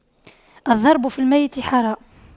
الضرب في الميت حرام